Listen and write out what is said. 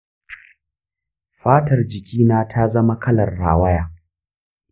fatar jiki na ta zama kalar rawaya.